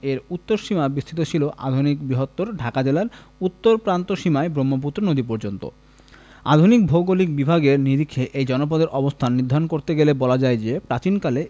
এর উত্তর সীমা বিস্তৃত ছিল আধুনিক বৃহত্তর ঢাকা জেলার উত্তর প্রান্তসীমায় ব্রহ্মপুত্র নদী পর্যন্ত আধুনিক ভৌগোলিক বিভাগের নিরীখে এই জনপদের অবস্থান নির্ধারণ করতে গেলে বলা যায় যে প্রাচীনকালে